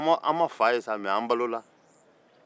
an ma fa ye sa mɛ ne balola